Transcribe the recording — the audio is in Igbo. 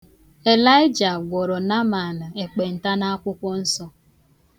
Elijah gwọrọ Naaman ekpenta n'Akwụkwọ Nsọ